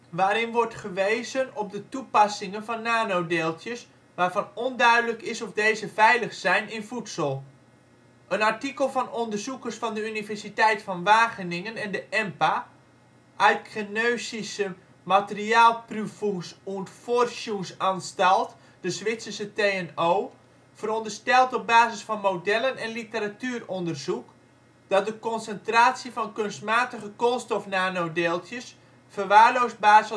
waarin wordt gewezen op de toepassingen van nanodeeltjes, waarvan onduidelijk is of deze veilig zijn, in voedsel. Een artikel van onderzoekers van de universiteit van Wageningen en de EMPA (Eidgenössische Materialprüfungs - und Forschungsanstalt, de „ Zwitserse TNO”) veronderstelt op basis van modellen en literatuuronderzoek, dat de concentratie van kunstmatige koolstof-nanodeeltjes verwaarloosbaar